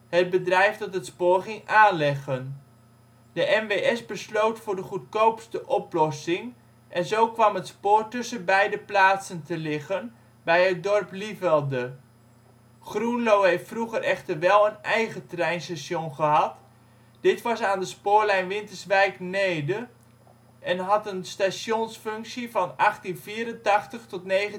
het bedrijf dat het spoor ging aanleggen. De NWS besloot voor de goedkoopste oplossing en zo kwam het spoor tussen beide plaatsen te liggen bij het dorp Lievelde. Groenlo heeft vroeger echter wel een eigen treinstation gehad. Dit was aan de spoorlijn Winterswijk - Neede en had een stationsfunctie van 1884 tot 1974